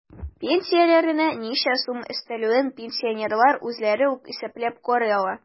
Пенсияләренә ничә сум өстәлүен пенсионерлар үзләре үк исәпләп карый ала.